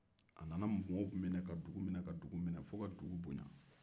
a nana mɔgɔw minɛ fo ka dugu bonya